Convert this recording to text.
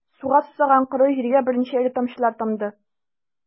Суга сусаган коры җиргә беренче эре тамчылар тамды...